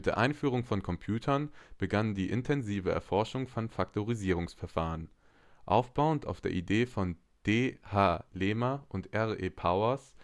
Einführung von Computern begann die intensive Erforschung von Faktorisierungsverfahren. Aufbauend auf der Idee von D. H. Lehmer und R. E. Powers